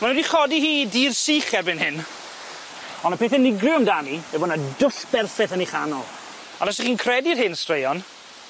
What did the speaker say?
Ma' nw wedi chodi hi i dir sych erbyn hyn, on' y peth unigryw amdani yw bo' 'na dwll berffeth yn 'i chanol on' os 'ych chi'n credu'r hen straeon